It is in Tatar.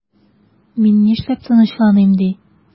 Мин нишләп тынычланыйм ди?